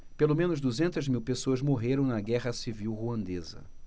pelo menos duzentas mil pessoas morreram na guerra civil ruandesa